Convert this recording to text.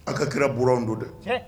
An ka kira b don dɛ